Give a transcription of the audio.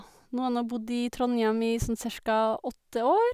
Nå har jeg nå bodd i Trondhjem i sånn cirka åtte år.